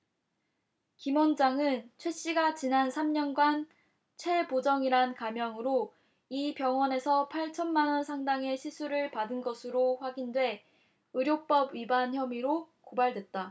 김 원장은 최씨가 지난 삼 년간 최보정이란 가명으로 이 병원에서 팔천 만원 상당의 시술을 받은 것으로 확인돼 의료법 위반 혐의로 고발됐다